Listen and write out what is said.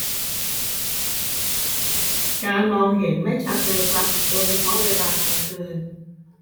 การมองเห็นไม่ชัดเลยครับโดยเฉพาะเวลากลางคืน